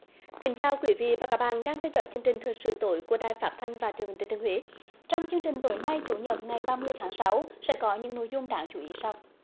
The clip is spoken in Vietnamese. kính chào quý vị và các bạn đang theo dõi chương trình thời sự tối của đài phát thanh và truyền hình thừa thiên huế trong chương trình tối nay chủ nhật ngày ba mươi tháng sáu sẽ có những nội dung đáng chú ý sau